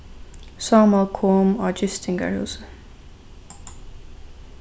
sámal kom á gistingarhúsið